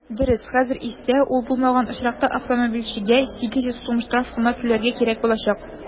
Дөрес, хәзер исә ул булмаган очракта автомобильчегә 800 сум штраф кына түләргә кирәк булачак.